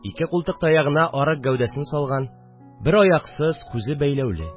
Ике култык таягына арык гәүдәсен салган, бер аяксыз, күзе бәйләүле